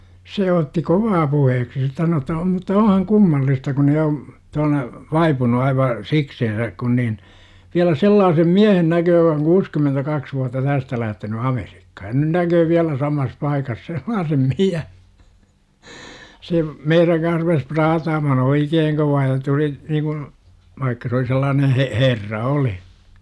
se otti kovaa puheeksi se sanoi että - mutta onhan kummallista kun jo että on vaipunut aivan sikseensä kun niin vielä sellaisen miehen näkee joka on kuusikymentäkaksi vuotta tästä lähtenyt Amerikkaan ja nyt näkee vielä samassa paikassa sellaisen - se meidän kanssa rupesi praataamaan oikein kovaa ja tuli niin kuin vaikka se oli sellainen - herra oli